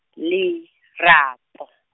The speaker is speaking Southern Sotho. LE, RA, PO.